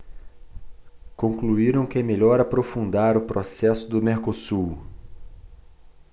concluíram que é melhor aprofundar o processo do mercosul